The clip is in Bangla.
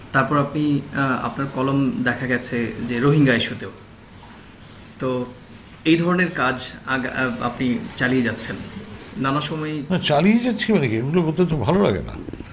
তারপর আপনি আপনার কলম দেখা গেছে যে রোহিঙ্গা ইস্যুতেও তো এই ধরনের কাজ আপনি চালিয়ে যাচ্ছেন নানা সময়ই না চালিয়ে যাচ্ছি মানে কি এগুলো করতে তো ভালো লাগে না